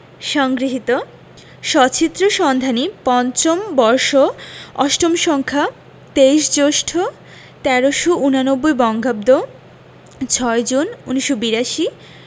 সংগৃহীত সচিত্র সন্ধানী ৫ম বর্ষ ৮ম সংখ্যা ২৩ জ্যৈষ্ঠ ১৩৮৯ বঙ্গাব্দ৬ জুন৮২